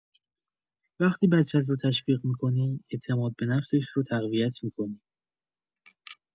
وقتی بچه‌ات رو تشویق می‌کنی، اعتماد به نفسش رو تقویت می‌کنی.